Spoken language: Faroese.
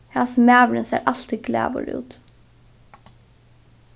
hasin maðurin sær altíð glaður út